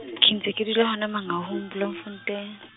ke ntse ke dula hona Mangaung Bloemfontein.